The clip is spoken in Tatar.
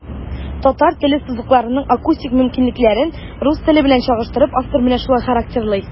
Татар теле сузыкларының акустик мөмкинлекләрен, рус теле белән чагыштырып, автор менә шулай характерлый.